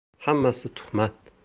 hammasi tuhmat